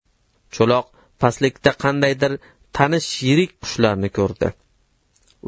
cho'loq pastlikda qandaydir tanish yirik qushlarni ko'rdi